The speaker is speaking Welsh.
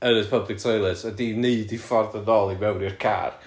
yn y public toilet a wedi neud eu ffordd yn ôl i mewn i'r car.